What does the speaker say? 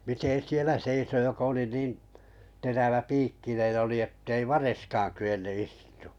miten siellä seisoi joka oli niin teräväpiikkinen oli että ei variskaan kyennyt istumaan